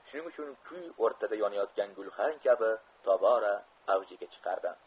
shuning uchun kuy o'rtada yonayotgan gulxan kabi tobora avjga chiqardi